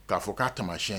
K'a fɔ k'a tamasiyɛn ye